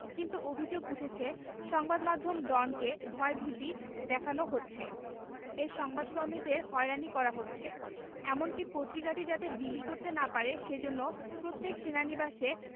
কিন্তু অভিযোগ উঠেছে সংবাদ মাধ্যম ডনকে ভয়ভীতি দেখানো হচ্ছে এর সংবাদ কর্মীদের হয়রানি করা হচ্ছে এমনকি পত্রিকাটি যাতে বিলি করতে না পারে সেজন্যে প্রত্যেক সেনানিবাসে